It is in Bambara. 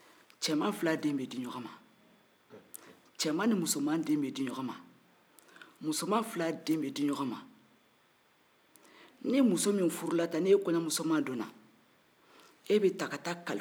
musoman fila den bɛ di ɲɔgɔn ma n'e muso min furu la tan n'e kɔɲɔmusoman don na e bi ta ka ta kalifa musokɔrɔba kelen na